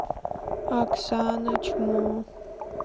оксана чмо